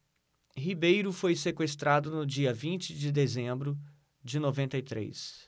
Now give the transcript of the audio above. ribeiro foi sequestrado no dia vinte de dezembro de noventa e três